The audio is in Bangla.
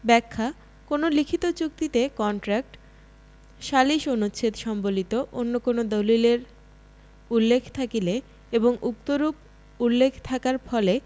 ব্যাখ্যাঃ কোন লিখিত চুক্তিতে কন্ট্রাক্ট সালিস অনুচ্ছেদ সম্বলিত অন্য কোন দালিলের উল্লেখ থাকিলে এবং উক্তরূপ উল্লেখ থাকার ফলে